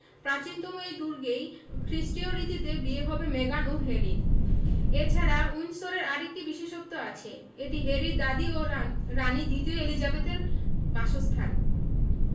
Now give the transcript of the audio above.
প্রাচীনতম এই দুর্গেই খ্রিষ্টীয় রীতিতে বিয়ে হবে মেগান ও হ্যারির এ ছাড়া উইন্ডসরের আরেকটি বিশেষত্ব আছে এটি হ্যারির দাদি ও রানি দ্বিতীয় এলিজাবেতের বাসস্থান